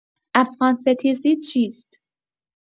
افغان‌ستیزی چیست؟